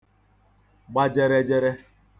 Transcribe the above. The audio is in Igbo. gba jerejere